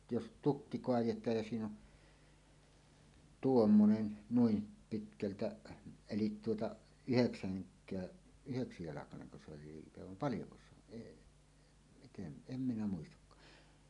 jos tukki kaadetaan ja siinä on tuommoinen noin pitkältä eli tuota yhdeksänkään yhdeksäntoistajalkainen se oli liipe vaan paljonko se on eli miten en minä muistakaan